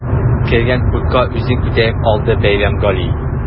Кергән хутка үзен күтәреп алды Бәйрәмгали.